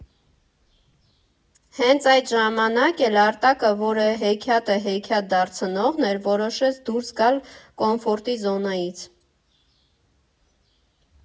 Հենց այդ ժամանակ էլ Արտակը, որը հեքիաթը հեքիաթ դարձնողն էր, չորոշեց դուրս գալ կոմֆորտի զոնայից։